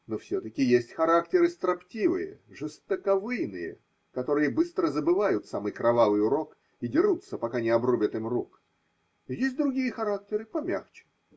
но, все-таки, есть характеры строптивые, жестоковыйные, которые быстро забывают самый кровавый урок и дерутся, пока не обрубят им рук, – и есть другие характеры, помягче.